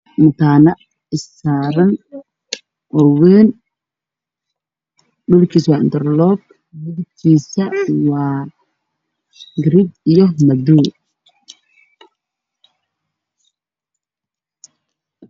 Meeshaan waa meel dhul ah oo mutuuleen saaran yahamuduleelkakalarkiisasa waa guduuddi cadaad o meesha ku yaalla dabaq dheer